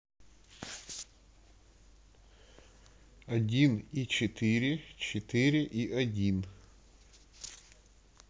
один и четыре четыре и один